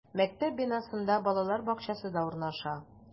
Мәктәп бинасында балалар бакчасы да урнаша.